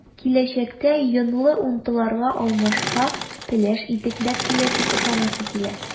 Киләчәктә “йонлы” унтыларга алмашка “пеләш” итекләр килер дип ышанасы килә.